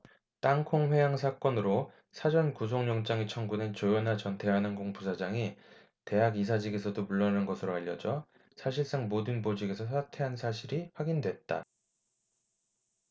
땅콩 회항 사건으로 사전 구속영장이 청구된 조현아 전 대한항공 부사장이 대학 이사직에서도 물러난 것으로 알려져 사실상 모든 보직에서 사퇴한 사실이 확인됐다